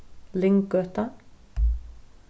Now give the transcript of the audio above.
lynggøta